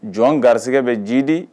Jɔn garisɛgɛ bɛ ji di